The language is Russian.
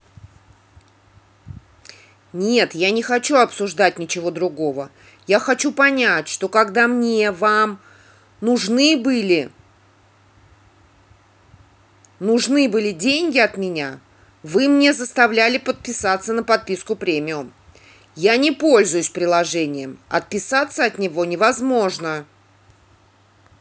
нет я не хочу обсуждать ничего другого я хочу понять что когда мне вам нужны были нужны были деньги от меня вы мне заставили подписаться на подписку премиум я не пользуюсь приложением отписаться от него невозможно